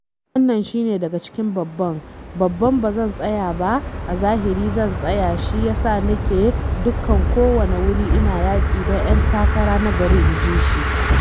Wannan shi ne daga cikin babban, babban - Ba zan tsaya ba amma a zahiri zan tsaya shi ya sa nake dukkan kowane wuri ina yaƙi don ‘yan takara na gari,” inji shi.